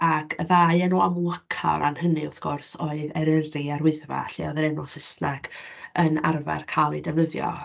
Ac y ddau enw amlyca o ran hynny, wrth gwrs, oedd Eryri a'r Wyddfa, lle oedd yr enw Saesneg yn arfer cael ei defnyddio.